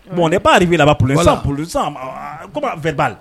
Bon ne'afinba'ale